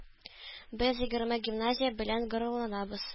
Без егерме гимназия белән горурланабыз